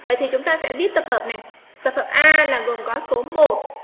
vậy thì chúng ta sẽ viết tập hợp này tập hợp a là gồm có số